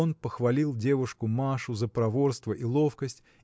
он похвалил девушку Машу за проворство и ловкость